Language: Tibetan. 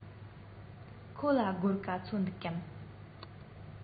ཁོ ལ སྒོར ག ཚོད འདུག གམ